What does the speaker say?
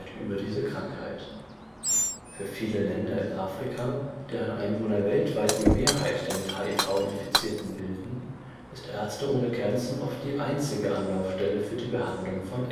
über diese Krankheit. Für viele Länder in Afrika, deren Einwohner weltweit die Mehrheit der mit HIV Infizierten bilden, ist Ärzte ohne Grenzen oft die einzige Anlaufstelle für die Behandlung von